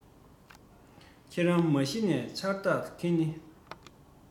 ཁྱེད རང མ གཞི ནས འཆར བདག གི ནི